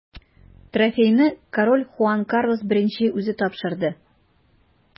Трофейны король Хуан Карлос I үзе тапшырды.